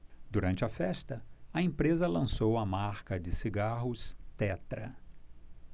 durante a festa a empresa lançou a marca de cigarros tetra